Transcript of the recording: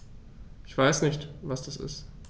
Ich weiß nicht, was das ist.